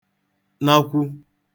nakwu